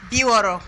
Bi wɔɔrɔ